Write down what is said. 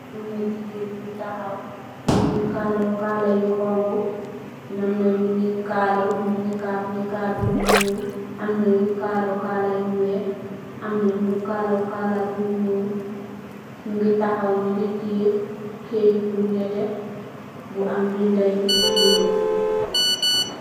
Amna gigen yu tahaw nu gi kala kala bu honha num nak ñun gi nicap yu ñuul, am na ngu kalo kala yu weyh.am na ngu kalo kala yu ñuul nu gi tawhaw nu gi tai keit bu neetia bu am beda yu bulo.